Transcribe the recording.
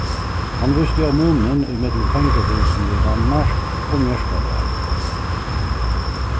hann vísti á munin ímillum fangahúsini í danmark og mjørkadal